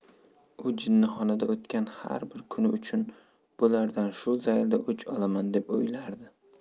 u jinnixonada o'tgan har bir kuni uchun bulardan shu zaylda o'ch olaman deb o'ylardi